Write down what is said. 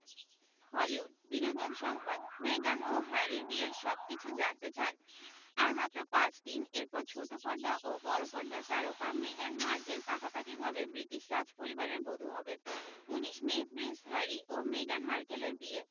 Hollywood বিনোদন সংবাদ Megan ও হ্যারির বিয়ের সবকিছু জানতে চান আর মাত্র পাঁচ দিন এরপর ছোট পর্দা ও বড় পর্দার তারকা মেগান মার্কেল পাকাপাকিভাবে ব্রিটিশ রাজপরিবারের বধূ হবেন ১৯ মে প্রিন্স হ্যারি ও মেগান মার্কেলের বিয়ে